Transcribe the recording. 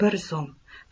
bir zum